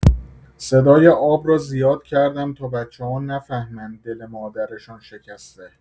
صدای آب را زیاد کردم تا بچه‌ها نفهمند دل مادرشان شکسته.